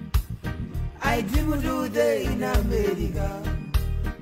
A ye ji duuru de i na feere